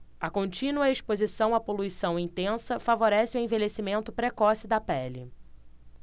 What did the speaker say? a contínua exposição à poluição intensa favorece o envelhecimento precoce da pele